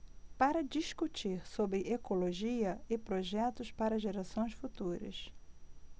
para discutir sobre ecologia e projetos para gerações futuras